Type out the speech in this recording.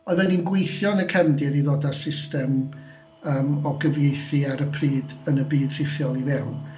Oedden ni'n gweithio yn y cefndir i ddod â system yym o gyfieithu ar y pryd yn y byd rhithiol i fewn.